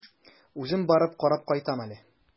Үзем барып карап кайтам әле.